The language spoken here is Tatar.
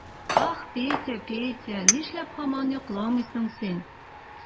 Ах, Петя, Петя, нишләп һаман йоклыйсың син?